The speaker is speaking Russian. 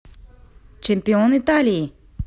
чемпион италии